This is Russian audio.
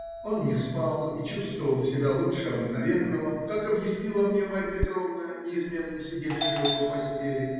Он не спал и чувствовал себя лучше обыкновенного, как объяснила мне Марья Петровна, неизменно сидевшая около постели.